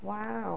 Waw.